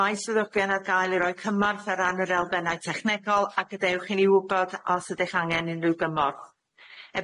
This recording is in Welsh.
Mae swyddogion ar gael i roi cymorth ar ran yr elfennau technegol a gadewch i ni wbod os ydych angen unryw gymorth.